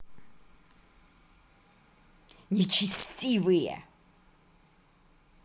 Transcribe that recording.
нечестивые